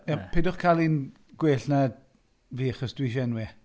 ond peidiwch cael un gwell na fi achos dwi isie enwi e.